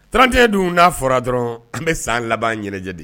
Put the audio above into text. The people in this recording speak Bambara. Trantie dun n'a fɔra dɔrɔn an bɛ san laban ɲɛnajɛ de